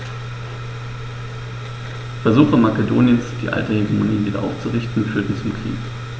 Versuche Makedoniens, die alte Hegemonie wieder aufzurichten, führten zum Krieg.